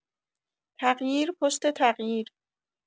تغییر پشت تغییر